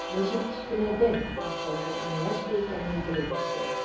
Мәҗит кечкенәдән мохтаҗлыкның нәрсә икәнен белеп үсә.